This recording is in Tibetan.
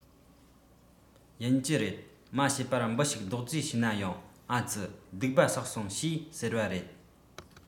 ཡིན གྱི རེད མ ཤེས པར འབུ ཞིག རྡོག རྫིས བྱས ན ཡང ཨ ཙི སྡིག པ བསགས སོང ཞེས ཟེར བ རེད